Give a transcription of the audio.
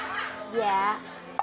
dạ